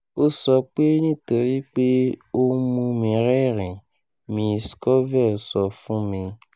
“O sọ pe, “Nitori pe o n mu mi rẹrin,”” Ms. Scovell sọ fun mi.